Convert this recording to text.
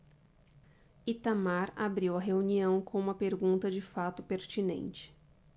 itamar abriu a reunião com uma pergunta de fato pertinente